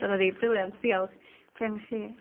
Dyna fi briliant diolch. Be am chi...